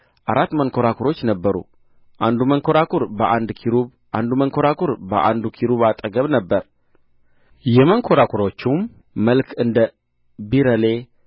አራት መንኰራኵሮች ነበሩ አንዱ መንኰራኵር በአንዱ ኪሩብ አንዱ መንኰራኵር በአንዱ ኪሩብ አጠገብ ነበረ የመንኰራኵሮቹም መልክ እንደ ቢረሌ